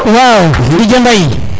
waw DJ Mbaye